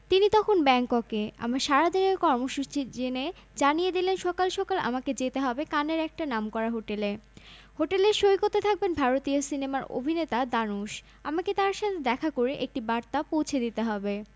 red carpet যেন ঐশ্বর্যময় সকালে ঘুম থেকে উঠেই হোয়াটসঅ্যাপ ম্যাসেজ পেলাম আমার প্রযোজক ইমপ্রেস টেলিফিল্মের মার্কেটিং ডিরেক্টর ইবনে হাসান খানের কফির কাপ হাতেই নিয়ে ফোন দিলাম রিভেরিয়া থেকে